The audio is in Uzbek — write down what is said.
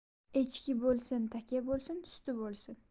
echki bo'lsin taka bo'lsin suti bo'lsin